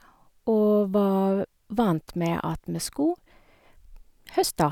Og var vant med at vi sko høste.